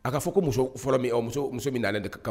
A ka fɔ ko muso fɔlɔ muso muso min' de kan